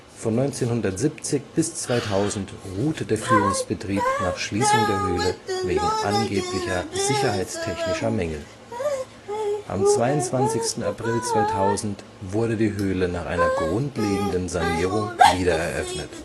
Von 1970 bis 2000 ruhte der Führungsbetrieb nach Schließung der Höhle wegen angeblicher sicherheitstechnischer Mängel. Am 22. April 2000 wurde die Höhle nach einer grundlegenden Sanierung wiedereröffnet